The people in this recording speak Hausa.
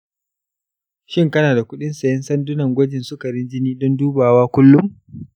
shin kana da kuɗin sayen sandunan gwajin sukarin jini don dubawa kullum?